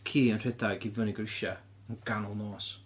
ci yn rhedeg i fyny grisiau yn ganol nos.